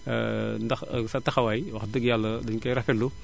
ndax sa taxawaay wax dëgg Yàlla dañu koy rafetlu